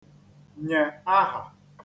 nyè aha